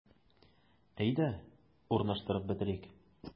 Әйдә, урнаштырып бетерик.